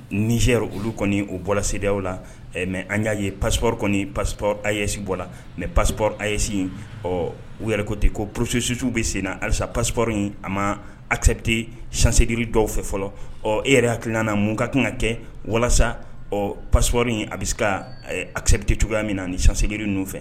Ni se olu kɔni o bɔra sedaw la mɛ an y'a ye passiporori kɔni passip aysesi bɔra la mɛ passip ayse in ɔ yɛrɛ ko ten ko psisuuru bɛ sen na alisa pasporori in a ma apte sanseegri dɔw fɛ fɔlɔ ɔ e yɛrɛ hakilil mun ka kan ka kɛ walasa ɔ pasporori in a bɛ se ka asɛpte cogoya min na nin sansegri ninnu fɛ